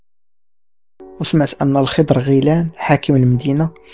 رسمه عن الخضره غيلان حاكم المدينه